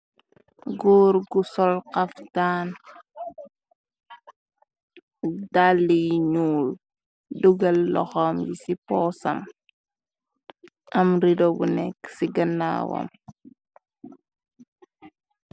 góur gu solxaf daan dàli ñuul dugal loxom yi ci poosam am rido bu nekk ci gënaawam.